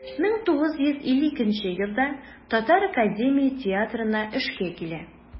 1952 елда татар академия театрына эшкә килә.